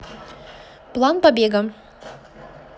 план побега